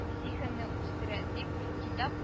Зиһенне үстерә дип, китап